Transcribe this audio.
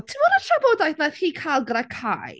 Timod y trafodaeth wnaeth hi cael gyda Kye?